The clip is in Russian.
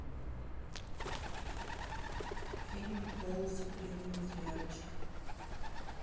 фильм пол секретный материальчик